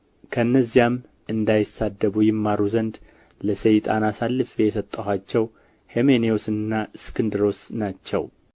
ከእነዚያም እንዳይሳደቡ ይማሩ ዘንድ ለሰይጣን አሳልፌ የሰጠኋቸው ሄሜኔዎስና እስክንድሮስ ናቸው